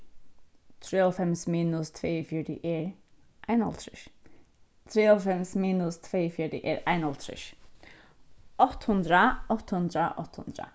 trýoghálvfems minus tveyogfjøruti er einoghálvtrýss trýoghálvfems minus tveyogfjøruti er einoghálvtrýss átta hundrað átta hundrað átta hundrað